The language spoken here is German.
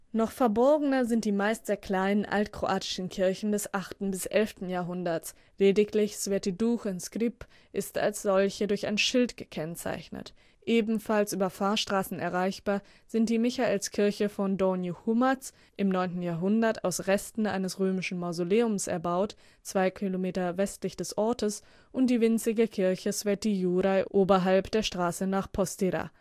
Noch verborgener sind die meist sehr kleinen altkroatischen Kirchen des 8.-11. Jahrhunderts – lediglich Sv. Duh in Skrip ist als solche durch ein Schild gekennzeichnet. Ebenfalls über Fahrstraßen erreichbar sind die Michaelskirche von Donj Humac (im 9. Jahrhundert aus Resten eines römischen Mausoleums erbaut, 2 km westlich des Ortes) und die winzige Kirche Sv. Juraj oberhalb der Straße nach Postira